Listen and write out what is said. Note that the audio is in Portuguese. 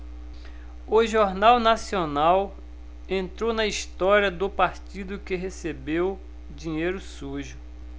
o jornal nacional entrou na história do partido que recebeu dinheiro sujo